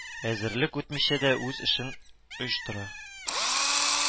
Әзерлек үтмичә дә үз эшен оештыра